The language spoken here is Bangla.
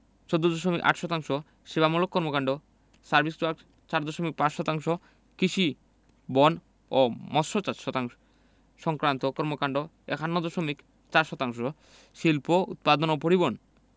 ১৪দশমিক ৮ শতাংশ সেবামূলক কর্মকান্ড সার্ভিস ওয়ার্ক্স ৪ দশমিক ৫ শতাংশ কৃষি বন ও মৎসচাষ সংক্রান্ত কর্মকান্ড ৫১ দশমিক ৪ শতাংশ শিল্প উৎপাদন ও পরিবহণ